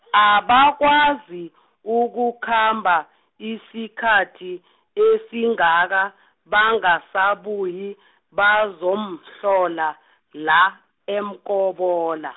abakwazi , ukukhamba, isikhathi, esingaka, bangasabuyi, bazomhlola, la, eMkobola.